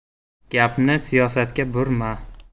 gapni siyosatga burma